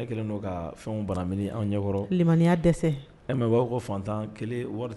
Fɛn bana anw ɲɛ limaniya dɛsɛ e mɛ b'a ko fatan kelen